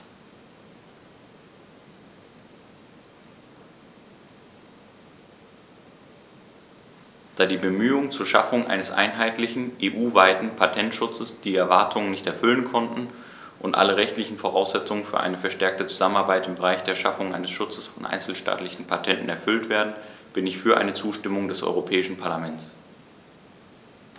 Da die Bemühungen zur Schaffung eines einheitlichen, EU-weiten Patentschutzes die Erwartungen nicht erfüllen konnten und alle rechtlichen Voraussetzungen für eine verstärkte Zusammenarbeit im Bereich der Schaffung eines Schutzes von einzelstaatlichen Patenten erfüllt werden, bin ich für eine Zustimmung des Europäischen Parlaments.